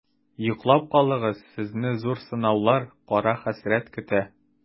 Йоклап калыгыз, сезне зур сынаулар, кара хәсрәт көтә.